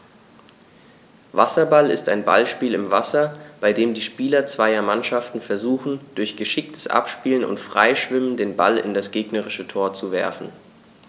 Wasserball ist ein Ballspiel im Wasser, bei dem die Spieler zweier Mannschaften versuchen, durch geschicktes Abspielen und Freischwimmen den Ball in das gegnerische Tor zu werfen.